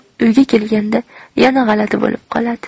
uyga kelganda yana g'alati bo'lib qoladi